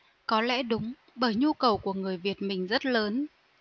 có lẽ đúng bởi nhu cầu của người việt mình rất lớn